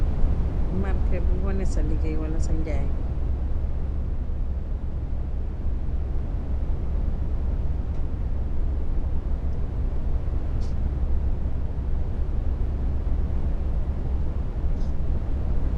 Mbarkeh bui waneh sa ligeey Wala sa njaay.